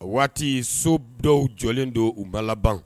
Waati so dɔw jɔlen don uba labanban